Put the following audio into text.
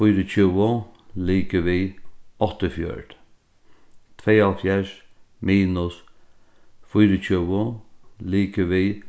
fýraogtjúgu ligvið áttaogfjøruti tveyoghálvfjerðs minus fýraogtjúgu ligvið